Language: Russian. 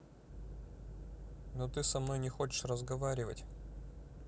но ты со мной не хочешь разговаривать